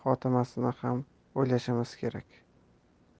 xotimasini ham o'ylashimiz kerak